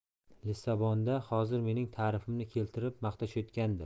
lissabonda hozir mening ta'rifimni keltirib maqtashayotgandir